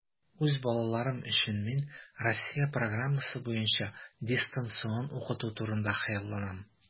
Үз балаларым өчен мин Россия программасы буенча дистанцион укыту турында хыялланам.